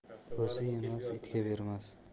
o'zi yemas itga bermas